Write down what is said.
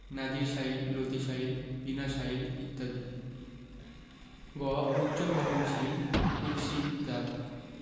নাজির শাইল লতিশাইল বিনাশাইল ইত্যাদি গ উচ্চফলনশীল উফশী জাত